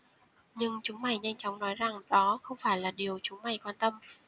nhưng chúng mày nhanh chóng nói rằng đó không phải là điều chúng mày quan tâm